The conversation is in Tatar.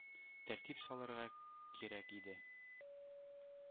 Тәртип салырга кирәк иде.